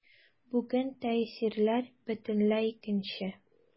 Бүген тәэсирләр бөтенләй икенче.